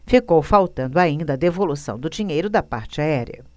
ficou faltando ainda a devolução do dinheiro da parte aérea